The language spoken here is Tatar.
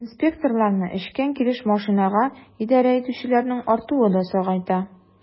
Инспекторларны эчкән килеш машинага идарә итүчеләрнең артуы да сагайта.